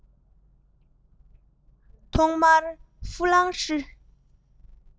ཐོག མར ཧྥུ ལང ཧྲི